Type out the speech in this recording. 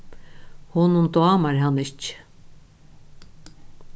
honum dámar hana ikki